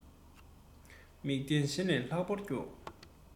མིག ལྡན གཞན ལས ལྷག པར མགྱོགས